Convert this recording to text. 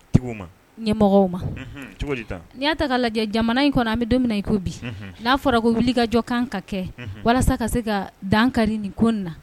Mɔgɔw ma n'i'a ta ka lajɛ jamana in kɔnɔ an bɛ dumuni i ko bi n'a fɔra ko wuli ka jɔ kan ka kɛ walasa ka se ka dan ka di nin ko na